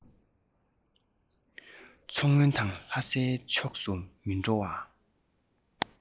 མཚོ སྔོན དང ལྷ སའི ཕྱོགས སུ མི འགྲོ བ